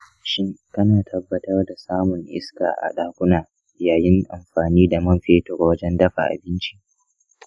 shin kana tabbatar da samun iska a ɗakuna yayin amfani da man fetur wajen dafa abinci?